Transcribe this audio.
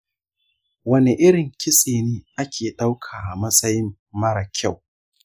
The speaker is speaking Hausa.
wane irin kitse ne ake ɗauka a matsayin mara kyau?